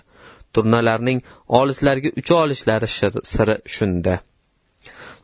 turnalarning olislarga ucha olishlari siri shunda